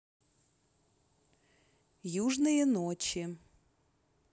южные ночи